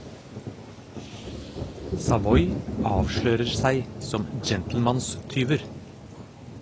Savoy avslører seg som gentlemanstyver.